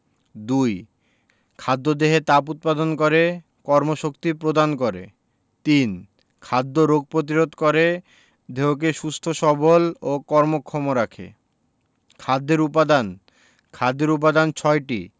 ২. খাদ্য দেহে তাপ উৎপাদন করে কর্মশক্তি পদান করে ৩. খাদ্য রোগ পতিরোধ করে দেহকে সুস্থ সবল এবং কর্মক্ষম রাখে খাদ্যের উপাদান খাদ্যের উপাদান ছয়টি